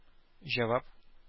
Җавап